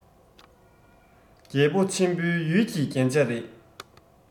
རྒྱལ པོ ཆེན པོ ཡུལ གྱི རྒྱན ཆ རེད